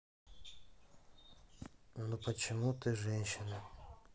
ну почему ты женщина